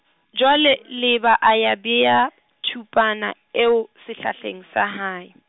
jwale Leeba a ya bea, thupana eo, sehlaheng, sa hae.